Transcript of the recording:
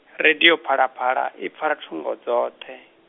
radio Phalaphala, ipfala thungo dzoṱhe.